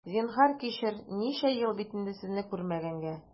Зинһар, кичер, ничә ел бит инде сезне күрмәгәнгә!